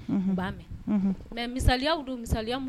B'a mɛ mɛ misaya don misa